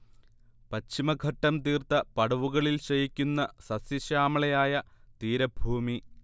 പശ്ചിമഘട്ടം തീർത്ത പടവുകളിൽ ശയിക്കുന്ന സസ്യ ശ്യാമളയായ തീരഭൂമി